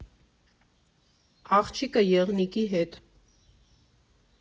Աղջիկը եղնիկի հետ։